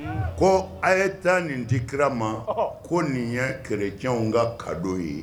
Ko a ye taa nin di kira ma, ko nin ye chrétiens ka cadeau ye